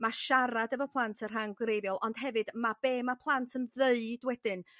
ma' siarad efo plant yn rhan greiddiol ond hefyd ma' be ma' plant yn ddeud wedyn